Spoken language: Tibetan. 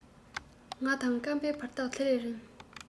ང དང བརྐམ པའི བར ཐག དེ ལས ཉེ